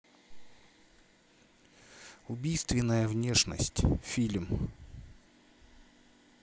убийственная внешность фильм